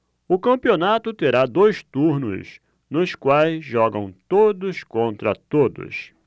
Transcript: o campeonato terá dois turnos nos quais jogam todos contra todos